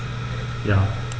Ja.